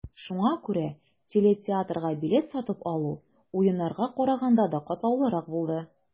Шуңа күрә телетеатрга билет сатып алу, Уеннарга караганда да катлаулырак булды.